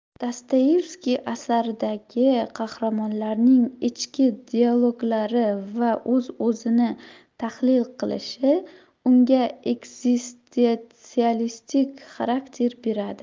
dostoyevskiy asaridagi qahramonlarning ichki dialoglari va o'z o'zini tahlil qilishi unga ekzistetsialistik xarakter beradi